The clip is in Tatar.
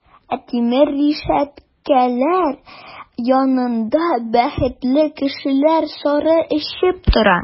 Ә тимер рәшәткәләр янында бәхетле кешеләр сыра эчеп тора!